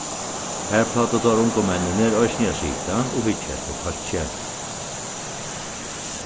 har plagdu teir ungu menninir eisini at sita og hyggja eftir fólki